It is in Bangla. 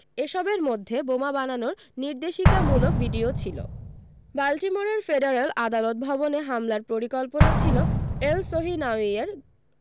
এসবের মধ্যে বোমা বানানোর নির্দেশিকামূলক ভিডিও ছিল বাল্টিমোরের ফেডারেল আদালত ভবনে হামলার পরিকল্পনা ছিল এলসহিনাউয়ি এর